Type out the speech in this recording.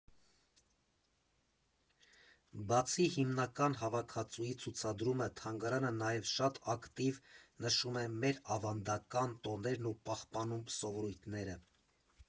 Բացի հիմնական հավաքածուի ցուցադրումը թանգարանը նաև շատ ակտիվ նշում է մեր ավանդական տոներն ու պահպանում սովորույթները։